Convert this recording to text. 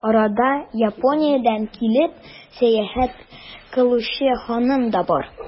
Арада, Япониядән килеп, сәяхәт кылучы ханым да бар.